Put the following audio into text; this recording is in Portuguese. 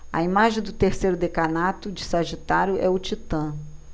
a imagem do terceiro decanato de sagitário é o titã